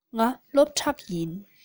ང སློབ ཕྲུག ཡིན